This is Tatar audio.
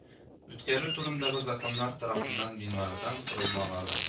Үткәрү турындагы законнар тарафыннан, биналардан корылмалардан